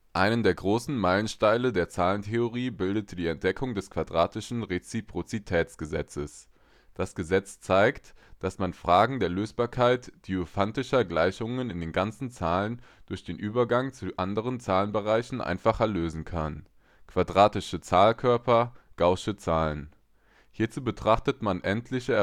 Einen der großen Meilensteine der Zahlentheorie bildete die Entdeckung des quadratischen Reziprozitätsgesetzes. Das Gesetz zeigt, dass man Fragen der Lösbarkeit diophantischer Gleichungen in den ganzen Zahlen durch den Übergang zu anderen Zahlbereichen einfacher lösen kann (quadratische Zahlkörper, gaußsche Zahlen). Hierzu betrachtet man endliche